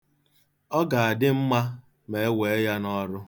Ọ ga-adị mma ma e wee ya n'ọrụ.